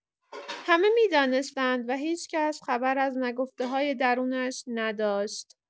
همه می‌دانستند و هیچ‌کس خبر از نگفته‌های درونش نداشت.